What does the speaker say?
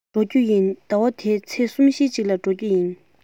ད དུང སོང མེད ཟླ བ འདིའི ཚེས གསུམ བཞིའི གཅིག ལ འགྲོ གི ཡིན